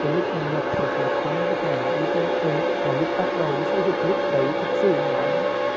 từ lúc mình nhập được một trăm cái trạm bi ti ét về và lúc bắt đầu đi xây dựng lúc đấy thực sự mà nói là